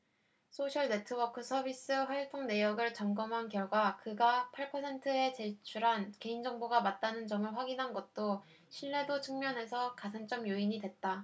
소셜네트워크서비스 활동내역을 점검한 결과 그가 팔 퍼센트에 제출한 개인정보가 맞다는 점을 확인한 것도 신뢰도 측면에서 가산점 요인이 됐다